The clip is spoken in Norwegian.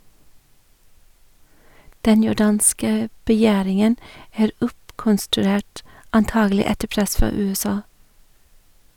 Den jordanske begjæringen er oppkonstruert, antagelig etter press fra USA.